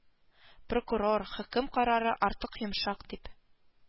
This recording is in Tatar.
Прокурор, хөкем карары артык йомшак, дип